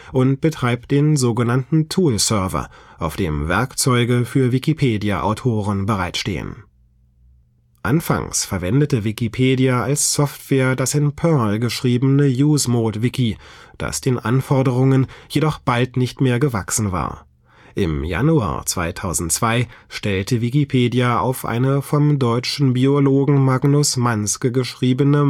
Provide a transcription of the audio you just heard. und betreibt den sogenannten Toolserver, auf dem Werkzeuge für Wikipedia-Autoren bereit stehen. Wikimedia-Server in Florida, USA Anfangs verwendete Wikipedia als Software das in Perl geschriebene UseModWiki, das den Anforderungen jedoch bald nicht mehr gewachsen war. Im Januar 2002 stellte Wikipedia auf eine vom deutschen Biologen Magnus Manske geschriebene